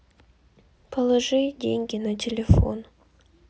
положи деньги на телефон